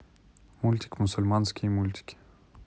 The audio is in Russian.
мультик мусульманские мультики